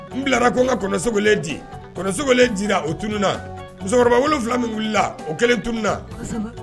N bilara ko n ka kɔnɔ segulen j o tunun musokɔrɔbawula min wili o kɛlen tun na